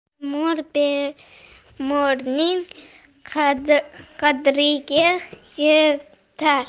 bemor bemorning qadriga yetar